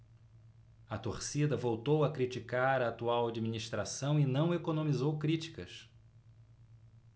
a torcida voltou a criticar a atual administração e não economizou críticas